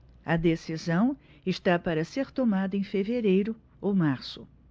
a decisão está para ser tomada em fevereiro ou março